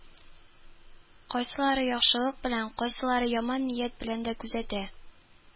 Кайсылары яхшылык белән, кайсылары яман ният белән дә күзәтә